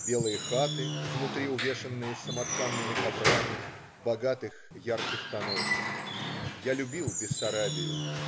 Белые хаты, внутри увешанные самоткаными коврами богатых, ярких тонов. Я любил Бессарабию.